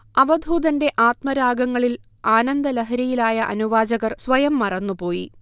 അവധൂതന്റെ ആത്മരാഗങ്ങളിൽ ആനന്ദലഹരിയിലായ അനുവാചകർ സ്വയം മറന്നുപോയി